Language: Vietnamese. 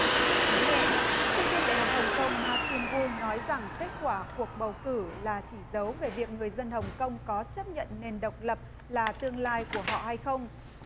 những mức án nhẹ sinh viên đại học hồng công ma tin gu nói rằng kết quả cuộc bầu cử là chỉ dấu về việc người dân hồng công có chấp nhận nền độc lập là tương lai của họ hay không